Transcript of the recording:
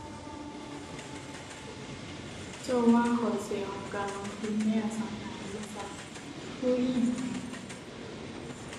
เจ้าว่าข้อเสียของการลงทุนในอสังหาริมทรัพย์คืออิหยังแหน่